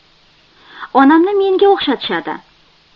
onamni menga o'xshatishadi